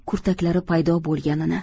kurtaklari paydo bo'lganini